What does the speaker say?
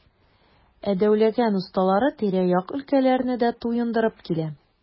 Ә Дәүләкән осталары тирә-як өлкәләрне дә туендырып килә.